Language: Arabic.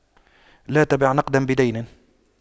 لا تبع نقداً بدين